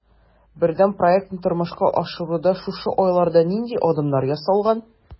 Бердәм проектны тормышка ашыруда шушы айларда нинди адымнар ясалган?